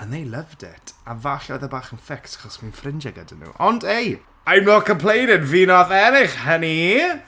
and they loved it a falle oedd e bach yn fix achos fi'n ffrindie gyda nhw ond ei, I'm not complaining fi wnaeth ennill, honey